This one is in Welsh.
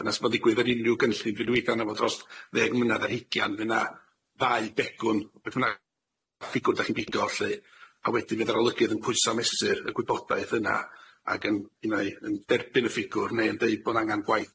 Dyna s'mo'n ddigwydd ar unrhyw gynllun dwi rwyddan a fo dros ddeg mlynadd ar heigian fy' na ddau degwn beth bynnag ffigwr dach chi'n bigo felly a wedyn fydd yr arolygydd yn pwysa mesur y gwybodaeth yna ag yn unai yn derbyn y ffigwr neu yn deud bo' angan gwaith